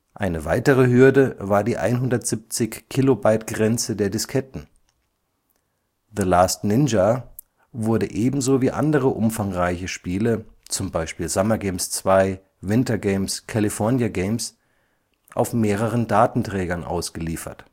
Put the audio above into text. Eine weitere Hürde war die 170 KByte-Grenze der Disketten. The Last Ninja wurde ebenso wie andere umfangreiche Spiele (z. B. Summer Games II, Winter Games, California Games) auf mehreren Datenträgern ausgeliefert